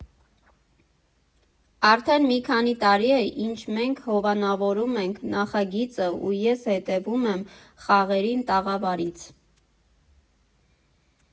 Արդեն մի քանի տարի է, ինչ մենք հովանավորում ենք նախագիծը, ու ես հետևում եմ խաղերին տաղավարից։